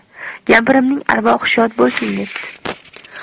kampirimning arvohi shod bo'lsin debdi